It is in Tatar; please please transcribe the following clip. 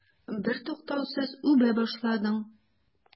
Бертуктаусыз үбә башладың.